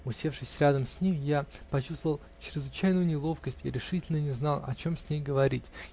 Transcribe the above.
Усевшись рядом с нею, я почувствовал чрезвычайную неловкость и решительно не знал, о чем с ней говорить.